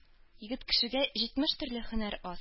Егет кешегә җитмеш төрле һөнәр аз.